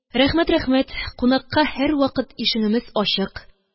– рәхмәт, рәхмәт. кунакка һәрвакыт ишегемез ачык.